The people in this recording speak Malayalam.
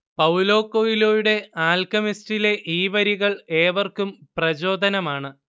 പൗലോ കൊയ്ലോയുടെ ആൽക്കെമിസ്റ്റിലെ ഈ വരികൾ ഏവർക്കും പ്രചോദനമാണ്